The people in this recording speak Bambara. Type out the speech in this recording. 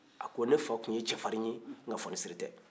a ko ne fa tun ye cɛfarin ye n ka fɔnisere tun tɛ